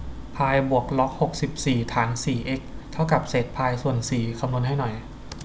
พายบวกล็อกหกสิบสี่ฐานสี่เอ็กซ์เท่ากับเศษพายส่วนสี่คำนวณให้หน่อย